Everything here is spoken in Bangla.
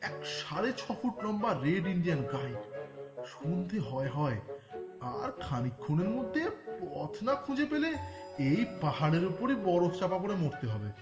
এক সাড়ে ছয় ফুট লম্বা রেড ইন্ডিয়ান গাইড সন্ধ্যা হয় হয় আর খানিকক্ষণের মধ্যে পথ না খুঁজে পেলে এই পাহাড়ের উপর ই বরফ চাপা পড়ে মরতে হবে